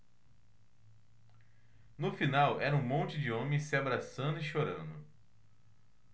no final era um monte de homens se abraçando e chorando